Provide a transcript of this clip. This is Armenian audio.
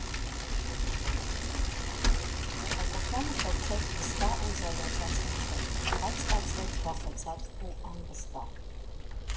֊ Հակոբյանը փորձեց վստահ ու զայրացած հնչել, բայց ստացվեց վախեցած ու անվստահ։